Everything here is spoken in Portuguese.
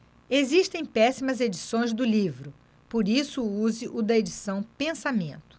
existem péssimas edições do livro por isso use o da edição pensamento